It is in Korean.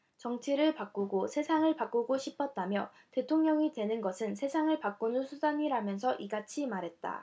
정치를 바꾸고 세상을 바꾸고 싶었다며 대통령이 되는 것은 세상을 바꾸는 수단이라면서 이같이 말했다